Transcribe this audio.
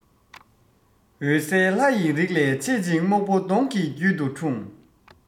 འོད གསལ ལྷ ཡི རིགས ལས མཆེད ཅིང སྨུག པོ གདོང གི རྒྱུད དུ འཁྲུངས